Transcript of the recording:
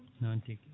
noon tigui